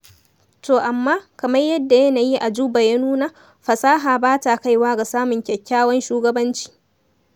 To amma, kamar yadda yanayi a Juba ya nuna, fasaha ba ta kaiwa ga samun kyakkyawan shugabanci.